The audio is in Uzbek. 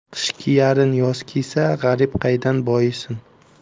qish kiyarin yoz kiysa g'arib qaydan boyisin